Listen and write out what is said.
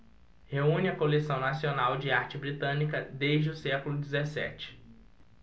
reúne a coleção nacional de arte britânica desde o século dezessete